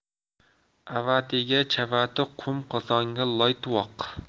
avatiga chavati qum qozonga loy tuvoq